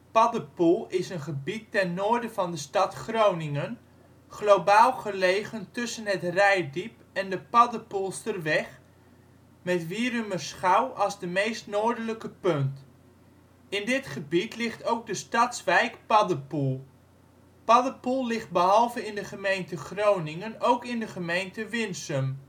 Paddepoel is een gebied ten noorden van de stad Groningen, globaal gelegen tussen het Reitdiep en de Paddepoelsterweg, met Wierumerschouw als de meest noordelijke punt. In dit gebied ligt ook de stadswijk Paddepoel. Paddepoel ligt behalve in de gemeente Groningen ook in de gemeente Winsum